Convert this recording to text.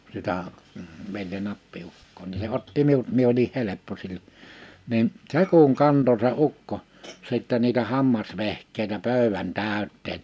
sitä veljen appiukkoa niin se otti minut minä olin helppo silloin niin se kun kantoi se ukko sitten niitä hammasvehkeitä pöydän täyteen